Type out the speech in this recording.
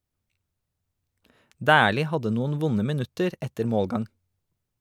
Dæhlie hadde noen vonde minutter etter målgang.